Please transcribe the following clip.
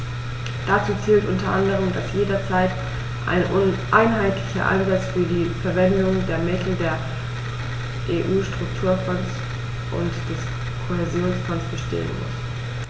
Dazu zählt u. a., dass jederzeit ein einheitlicher Ansatz für die Verwendung der Mittel der EU-Strukturfonds und des Kohäsionsfonds bestehen muss.